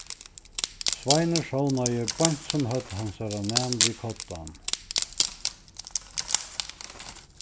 sveinur sovnaði beint sum høvd hansara nam við koddan